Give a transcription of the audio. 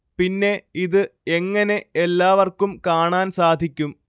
പിന്നെ ഇത് എങ്ങനെ എല്ലാവര്‍ക്കും കാണാന്‍ സാധിക്കും